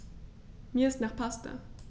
Mir ist nach Pasta.